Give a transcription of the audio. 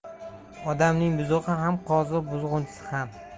odamning buzug'i ham qozi buzg'unchisi ham